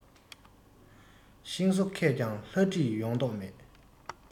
ཤིང བཟོ མཁས ཀྱང ལྷ བྲིས ཡོང མདོག མེད